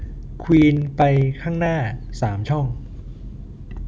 ควีนไปข้างหน้าสามช่อง